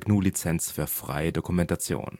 GNU Lizenz für freie Dokumentation